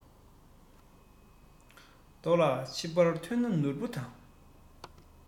རྡོ ལ ཕྱི བདར ཐོན ན ནོར བུ དང